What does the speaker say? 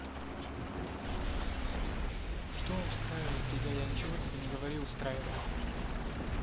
что устраивает тебя я ничего тебе не говори устраивать